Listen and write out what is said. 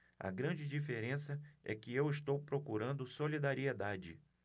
a grande diferença é que eu estou procurando solidariedade